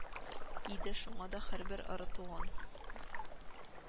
Иде, шуңа да һәрбер ыры туган